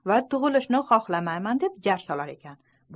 va tug'ilishni xohlamayman deb jar solar ekan